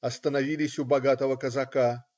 Остановились у богатого казака.